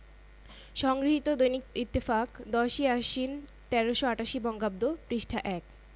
হাওয়া আর সূর্য রাজি হয় তাদের মধ্যে যে পথিকে গায়ের চাদর খোলাতে পারবে তাকেই বেশি শক্তিমান হিসেবে ধার্য করা হবে